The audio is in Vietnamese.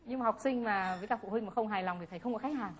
nhưng mà học sinh mà với cả phụ huynh mà không hài lòng thì thầy không có khách hàng